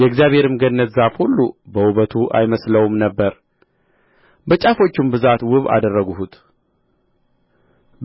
የእግዚአብሔርም ገነት ዛፍ ሁሉ በውበቱ አይመሳሰለውም ነበር በጫፎቹም ብዛት ውብ አደረግሁት